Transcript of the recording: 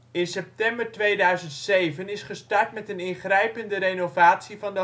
In september 2007 is gestart met een ingrijpende renovatie van de hoofdstraat, de